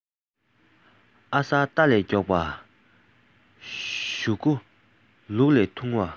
ཨ གསར རྟ ལས མགྱོགས པ ཞུ གུ ལུག ལས ཐུང བ